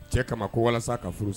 Cɛ kama ko walasa ka furu